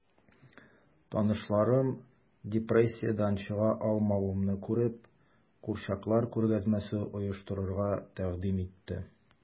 Танышларым, депрессиядән чыга алмавымны күреп, курчаклар күргәзмәсе оештырырга тәкъдим итте...